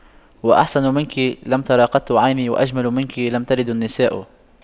وأحسن منك لم تر قط عيني وأجمل منك لم تلد النساء